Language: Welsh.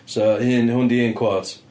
So hyn... hwn 'di un quote.